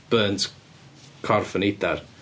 Burnt corff y neidr.